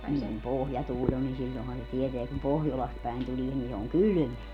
niin kun pohjatuuli on niin silloinhan se tietää kun pohjolasta päin tulee niin se on kylmää